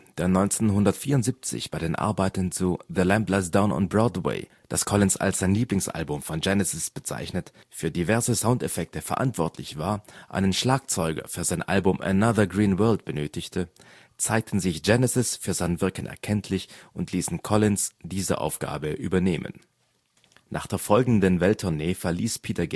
der 1974 bei den Arbeiten zu The Lamb Lies Down on Broadway, das Collins als sein Lieblingsalbum von Genesis bezeichnet, für diverse Soundeffekte verantwortlich war, einen Schlagzeuger für sein Album Another Green World benötigte, zeigten sich Genesis für sein Wirken erkenntlich und ließen Collins diese Aufgabe übernehmen. Nach der folgenden Welt-Tournee verließ Peter